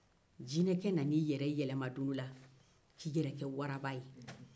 don dɔ la jinɛke nana i yɛrɛ yɛlɛma ka ke waraba ye